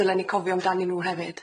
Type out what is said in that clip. Dyle ni cofio amdanyn nw hefyd.